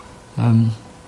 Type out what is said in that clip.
Yym.